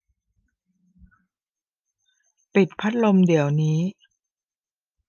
ปิดพัดลมเดี๋ยวนี้